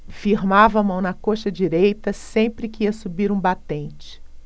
firmava a mão na coxa direita sempre que ia subir um batente